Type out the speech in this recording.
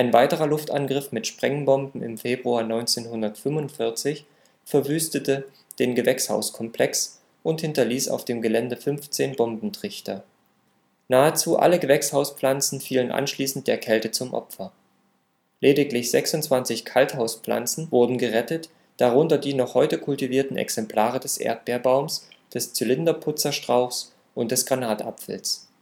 weiterer Luftangriff mit Sprengbomben im Februar 1945 verwüste den Gewächshauskomplex und hinterließ auf dem Gelände 15 Bombentrichter. Nahezu alle Gewächshauspflanzen fielen anschließend der Kälte zum Opfer. Lediglich 26 Kalthauspflanzen wurden gerettet, darunter die noch heute kultivierten Exemplare des Erdbeerbaums, des Zylinderputzerstrauchs und des Granatapfels